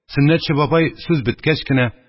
Сөннәтче бабай, сүз беткәч кенә: